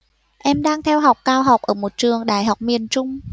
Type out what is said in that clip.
em đang theo học cao học ở một trường đại học miền trung